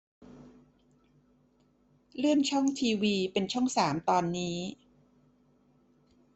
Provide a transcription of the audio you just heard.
เลื่อนช่องทีวีเป็นช่องสามตอนนี้